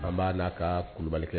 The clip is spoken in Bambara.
An b' n'a ka kubalikɛ